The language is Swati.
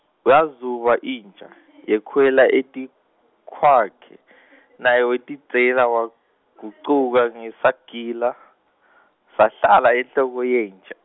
yazuba inja, yekhwela etikwakhe , naye watidzela wagucuka ngesagila , sahlala enhloko yenja.